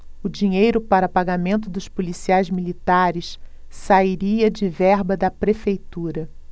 o dinheiro para pagamento dos policiais militares sairia de verba da prefeitura